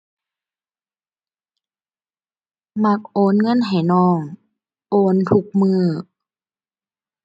มักโอนเงินให้น้อง โอนทุกมื้อ